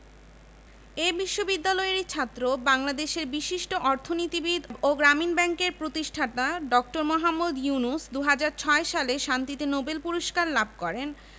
এ বিশ্ববিদ্যালয়েরই ছাত্র বাংলাদেশের বিশিষ্ট অর্থনীতিবিদ ও গ্রামীণ ব্যাংকের প্রতিষ্ঠাতা ড. মোহাম্মদ ইউনুস ২০০৬ সালে শান্তিতে নোবেল পূরস্কার লাভ করেন